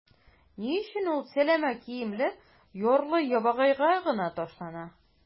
Ни өчен ул сәләмә киемле ярлы-ябагайга гына ташлана?